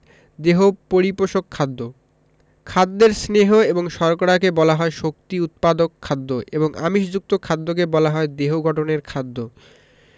দেহ পরিপোষক খাদ্য খাদ্যের স্নেহ এবং শর্করাকে বলা হয় শক্তি উৎপাদক খাদ্য এবং আমিষযুক্ত খাদ্যকে বলা হয় দেহ গঠনের খাদ্য